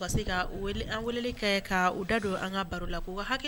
Ka an kɛ ka da don an ka baro la ko